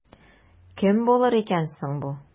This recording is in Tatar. Кем булыр икән соң бу?